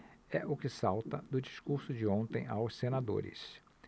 é o que salta do discurso de ontem aos senadores